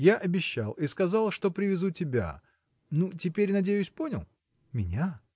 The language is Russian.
я обещал и сказал, что привезу тебя: ну, теперь, надеюсь, понял? – Меня?